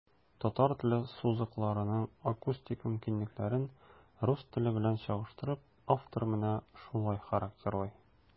Татар теле сузыкларының акустик мөмкинлекләрен, рус теле белән чагыштырып, автор менә шулай характерлый.